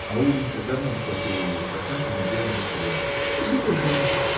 А Улинька давно схватила ее с окна и надела на себя. — Где ж она?